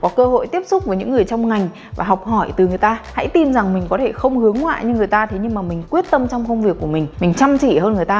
có cơ hội tiếp xúc với những người trong ngành và học hỏi từ người ta hãy tin rằng có thể mình không hướng ngoại như người ta thế nhưng mà mình quyết tâm trong công việc của mình mình chăm chỉ hơn người ta